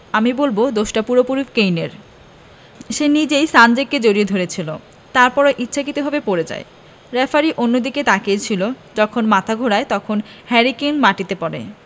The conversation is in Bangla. আমি বলব দোষটা পুরোপুরি কেইনের সে নিজেই সানচেজকে জড়িয়ে ধরেছিল তারপরে ইচ্ছাকৃতভাবে পড়ে যায় রেফারি অন্যদিকে তাকিয়ে ছিল যখন মাথা ঘোরায় তখন হ্যারি কেইন মাটিতে পড়ে